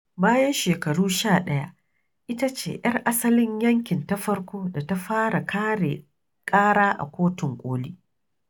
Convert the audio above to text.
Bayan shekaru sha ɗaya, ita ce 'yar asalin yankin ta farko da ta fara kare ƙara a kotun ƙoli.